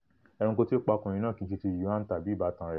Ẹranko tí ó pa ọkùnrin náà kìí ṣe ti Yuan tàbí ìbátan rẹ̀.